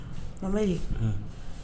Mamɛdi unh